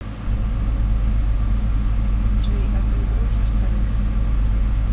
j а ты дружишь с алисой